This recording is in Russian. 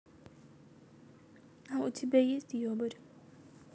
а у тебя есть ебарь